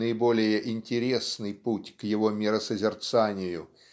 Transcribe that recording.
наиболее интересный путь к его миросозерцанию